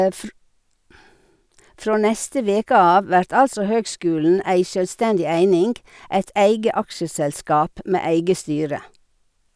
Frå neste veke av vert altså høgskulen ei sjølvstendig eining, eit eige aksjeselskap med eige styre.